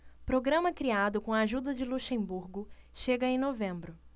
programa criado com a ajuda de luxemburgo chega em novembro